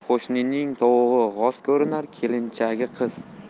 qo'shnining tovug'i g'oz ko'rinar kelinchagi qiz